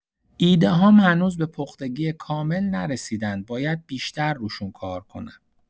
ایده‌هام هنوز به پختگی کامل نرسیدن، باید بیشتر روشون کار کنم.